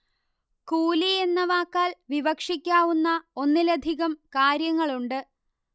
കൂലി എന്ന വാക്കാൽ വിവക്ഷിക്കാവുന്ന ഒന്നിലധികം കാര്യങ്ങളുണ്ട്